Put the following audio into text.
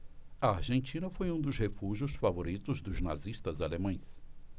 a argentina foi um dos refúgios favoritos dos nazistas alemães